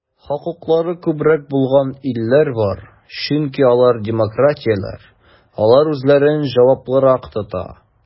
Хокуклары күбрәк булган илләр бар, чөнки алар демократияләр, алар үзләрен җаваплырак тота.